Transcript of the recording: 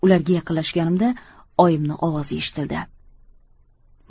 ularga yaqinlashganimda oyimni ovozi eshitildi